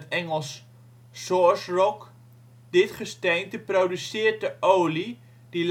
Engels: source rock). Dit gesteente produceert de olie, die